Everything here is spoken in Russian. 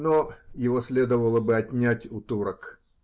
Но. его следовало бы отнять у турок.